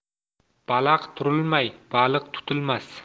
balaq turilmay baliq tutilmas